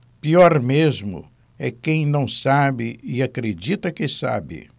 pior mesmo é quem não sabe e acredita que sabe